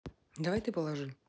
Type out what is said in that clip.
давай ты положи